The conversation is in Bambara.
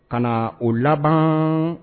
Ka na o laban